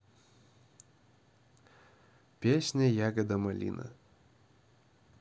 песня ягода малина